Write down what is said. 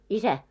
isä